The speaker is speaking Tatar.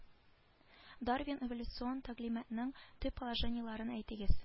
Дарвин эволюцион тәгълиматның төп положениеләрен әйтегез